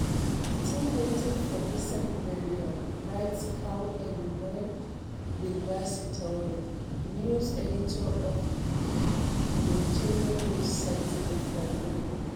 still waiting for a decent burial,” writes Kaaw Elimane Bilbassi Touré, news editor of the Mauritanian news site Le Flambeau.